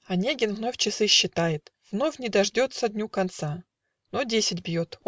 Онегин вновь часы считает, Вновь не дождется дню конца. Но десять бьет